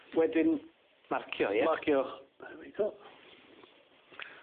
Wedyn... Marcio ie? Marcio. There we go.